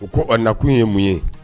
U ko a nakun ye mun ye